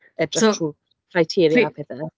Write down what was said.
edrych trwy... so ...criteria... pryd? ...a pethe.